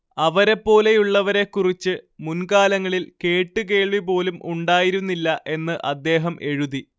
അവരെപ്പോലെയുള്ളവരെക്കുറിച്ച് മുൻകാലങ്ങളിൽ കേട്ട് കേൾവി പോലും ഉണ്ടായിരുന്നില്ല എന്ന് അദ്ദേഹം എഴുതി